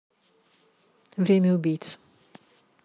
время убийц